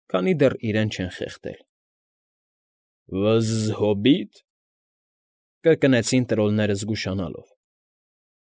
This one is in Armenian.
Քանի դեռ իրեն չեն խեղդել։ ֊ Վզզհոբի՞տ,֊ կրկնեցին տրոլները զգուշանալով։